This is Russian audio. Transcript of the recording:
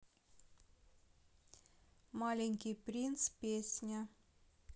маленький принц песня